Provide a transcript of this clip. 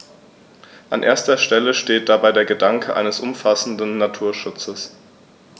An erster Stelle steht dabei der Gedanke eines umfassenden Naturschutzes.